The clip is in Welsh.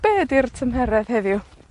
Be' ydi'r tymheredd heddiw?